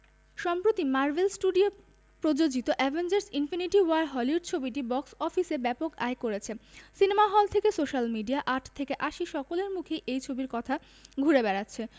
সম্প্রতি Marvel studio প্রযোজিত Avengers infinity war Hollywood ছবিটি বক্স অফিসে ব্যাপক আয় করছে সিনেমা হল থেকে সোশ্যাল মিডিয়া আট থেকে আশি সকলের মুখেই এই ছবির কথা ঘুরে বেড়াচ্ছে